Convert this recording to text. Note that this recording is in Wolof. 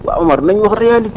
waaw Omar nañ wax réalité